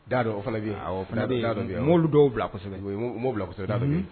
' dɔn o fana fana y' dɔn olu dɔw bilasɛbɛ bilasɛbɛ da